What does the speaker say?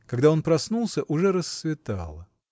Когда он проснулся, уже рассветало.